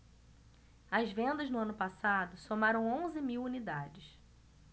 as vendas no ano passado somaram onze mil unidades